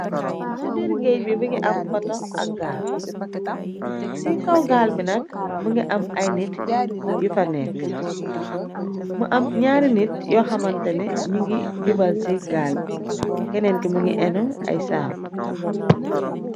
Ci diir géey bi mingi am botox ak gaal , ci kaw gaal bi nak , më ngi am ay nit yu fa nekka mu am ñaari nit yoxamantane ñu ngi jubal ci gaal bi , keneen ki mi ngi inu ay saaku.